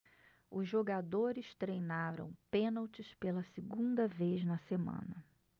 os jogadores treinaram pênaltis pela segunda vez na semana